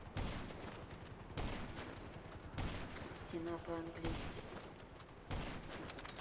стена по английски